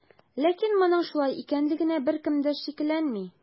Ләкин моның шулай икәнлегенә беркем дә шикләнми.